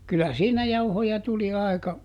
kyllä siinä jauhoja tuli aika